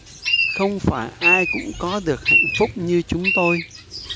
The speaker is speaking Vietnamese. không phải ai cũng có được hạnh phúc như chúng tôi